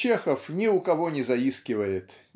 Чехов ни у кого не заискивает